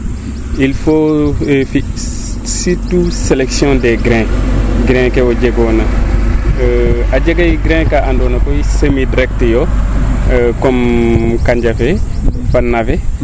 il faut foof le fi surtout selection des grain grain ke jegoona a jegay grain kaa ando naye semi direct yoo comme kaña fee navé